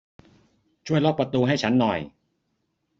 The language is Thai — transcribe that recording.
ช่วยล็อกประตูให้ฉันหน่อย